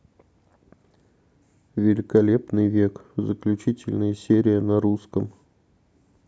великолепный век заключительная серия на русском